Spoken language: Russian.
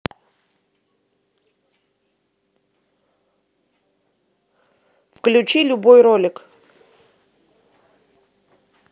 включи любой ролик